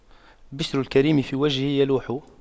بِشْرُ الكريم في وجهه يلوح